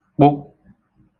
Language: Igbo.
kpụ